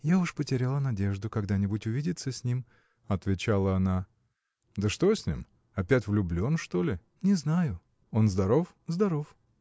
– Я уж потеряла надежду когда-нибудь увидеться с ним, – отвечала она. – Да что с ним. Опять влюблен, что ли? – Не знаю. – Он здоров? – Здоров.